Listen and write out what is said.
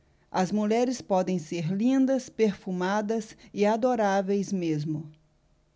as mulheres podem ser lindas perfumadas e adoráveis mesmo